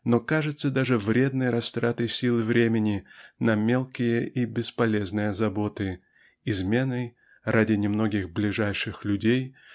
но кажется даже вредной растратой сил и времени на мелкие и бесполезные заботы изменой ради немногих ближайших людей